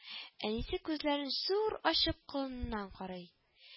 Әнисе күзләрен зуур ачып колынна карый